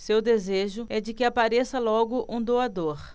seu desejo é de que apareça logo um doador